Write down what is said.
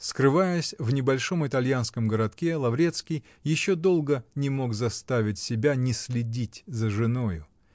Скрываясь в небольшом италианском городке, Лаврецкий еще долго не мог заставить себя не следить за женою.